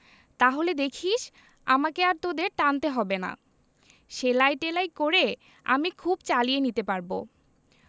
তাহলে দেখিস আমাকে আর তোদের টানতে হবে না সেলাই টেলাই করে আমি খুব চালিয়ে নিতে পারব